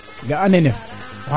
iyoo